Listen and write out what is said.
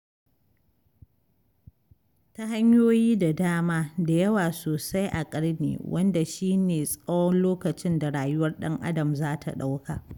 Ta hanyoyi da dama, da yawa sosai a ƙarni, wanda shi ne tsawon lokacin da rayuwar ɗan-adam za ta ɗauka.